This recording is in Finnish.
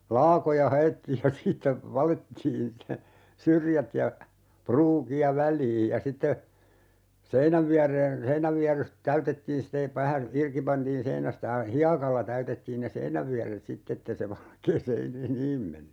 laakoja haettiin ja siitä valettiin se syrjät ja pruukia väliin ja sitten seinän viereen seinänvierus täytettiin sitten vähän irti pantiin seinästä ja hiekalla täytettiin ne seinänvieret sitten että ei se valkea - seiniin mennyt